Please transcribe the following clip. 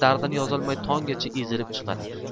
dardini yozolmay tonggacha ezilib chiqadi